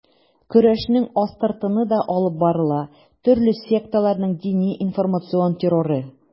Көрәшнең астыртыны да алып барыла: төрле секталарның дини-информацион терроры.